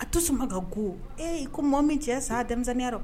A to suma ma ka ko ee ko mɔgɔ min cɛ sa denmisɛnninya